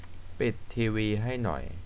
ปิดทีวีให้หน่อย